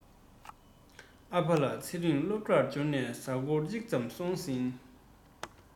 ཨ ཕ ལ ཚེ རིང སློབ གྲྭར འབྱོར ནས གཟའ འཁོར གཅིག ཙམ སོང ཟིན